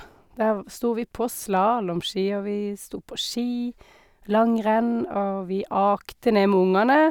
Der v stod vi på slalåmski, og vi stod på ski, langrenn, og vi akte ned med ungene.